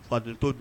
Ba de to dun